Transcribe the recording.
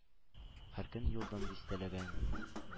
Һәр көн юлдан дистәләгән